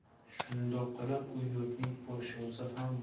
shundoq qilib u yurtning podshosi ham